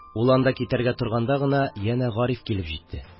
Ул анда китәргә торганда гына янә Гариф килеп җитте